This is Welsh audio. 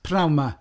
Pnawn 'ma.